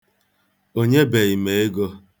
O nyebeghị m ego.